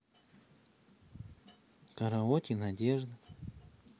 караоке надежда